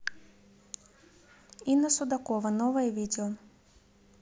инна судакова новое видео